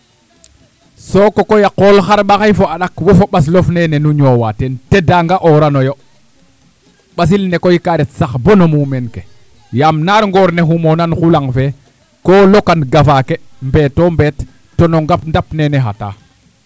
sooko koy a qool xarɓaxay fa'a ɗaq wofo ɓaslof nen nu ñowa teen tedange'orano yo ɓasil ne koy kaa ref sax boo na muumeen ke yaam naar ngoor ne wo xumona xulang fee koo lokan gafaake ke mbeeto mbeet to no ndap neene xata